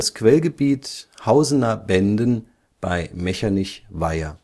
Quellgebiet Hausener Benden bei Mechernich-Weyer